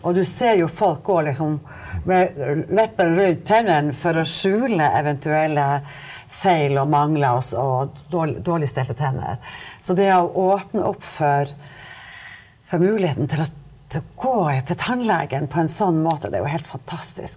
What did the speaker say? og du ser jo folk gå liksom med leppene rundt tennene for å skjule eventuelle feil og mangler og så dårlig stelte tenner, så det å åpne opp for for muligheten til å til å gå til tannlegen på en sånn måte det er jo helt fantastisk.